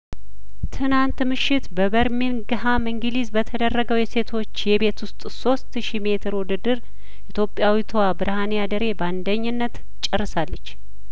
ትናንት ምሽት በበርሚንግሀም እንግሊዝ በተደረገው የሴቶች የቤት ውስጥ ሶስት ሺ ሜትር ውድድር ኢትዮጵያዊቷ ብርሀኔ አደሬ በአንደኝነት ጨርሳለች